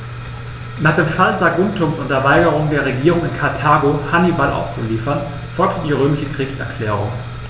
Nach dem Fall Saguntums und der Weigerung der Regierung in Karthago, Hannibal auszuliefern, folgte die römische Kriegserklärung.